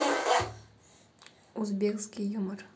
узбекский юмор